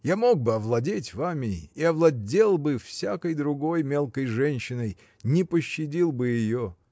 Я мог бы овладеть вами — и овладел бы всякой другой, мелкой женщиной, не пощадил бы ее.